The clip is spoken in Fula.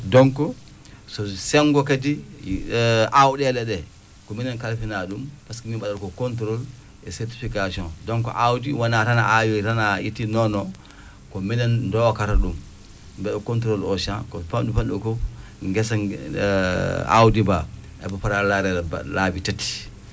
donc so senngo kadi aawɗeele ɗee ko minen kalfinaa ɗum pasque min mbaɗata ko contrôle et certification donc aawdi wonaa tan a aawi tan a ittii non non non ko minen ndookara ɗum * contrôle au champs ko famɗi famɗi koo fof ngesa aawdi ma ene fota laareede laabi tati